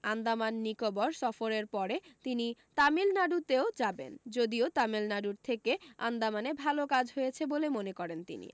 আন্দামান নিকোবর সফরের পরে তিনি তামিলনাড়ুতেও যাবেন যদিও তামিলনাড়ুর থেকে আন্দামানে ভাল কাজ হয়েছে বলে মনে করেন তিনি